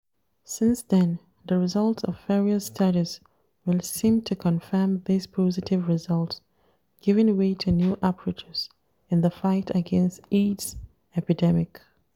Since then, the results of various studies would seem to confirm these positive results, giving way to new approaches in the fight against the AIDS epidemic.